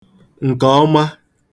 nke ọma